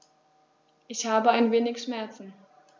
Ich habe ein wenig Schmerzen.